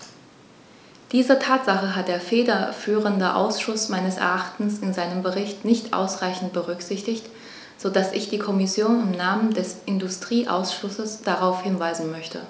Diese Tatsache hat der federführende Ausschuss meines Erachtens in seinem Bericht nicht ausreichend berücksichtigt, so dass ich die Kommission im Namen des Industrieausschusses darauf hinweisen möchte.